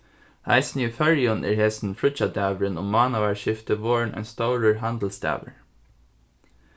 eisini í føroyum er hesin fríggjadagurin um mánaðarskiftið vorðin ein stórur handilsdagur